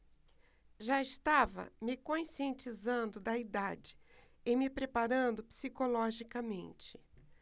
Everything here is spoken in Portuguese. já estava me conscientizando da idade e me preparando psicologicamente